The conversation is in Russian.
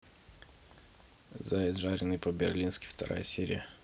заяц жаренный по берлински вторая серия